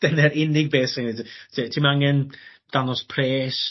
Dyne'r unig beth ti'n neud yy ti- ti'm angen dangos pres